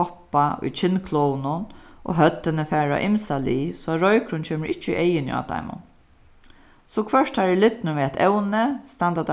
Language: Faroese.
hoppa í kinnklovunum og høvdini fara á ymsa lið so at roykurin kemur ikki í eyguni á teimum so hvørt teir eru lidnir við eitt evni standa